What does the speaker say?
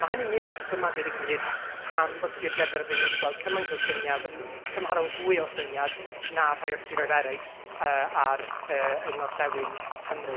Ma' hynny'n un o'r rhesymau deud y gwir pam bod Sir Gaerfyrddin wedi gweld cymaint o ostyngiad, m- m- cymharol fwy o ostyngiad, na'r rhai o'r siroedd eraill yy ar... yy yng ngorllewin Cymru.